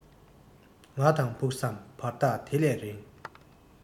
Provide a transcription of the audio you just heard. ང དང ཕུགས བསམ བར ཐག དེ ལས རིང